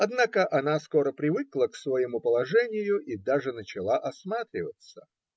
Однако она скоро привыкла к своему положению и даже начала осматриваться.